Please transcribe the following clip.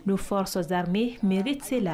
N forosɔsanme mɛ bɛ se la